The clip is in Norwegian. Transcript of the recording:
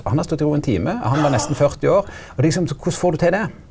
og han har stått i over ein time og han var nesten 40 år og liksom korleis får du til det?